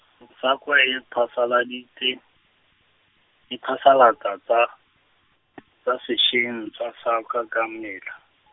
S- SAQA e phasala ditse, e phasalatsa tsa , tsa seseng tsa SAQA ka metlha.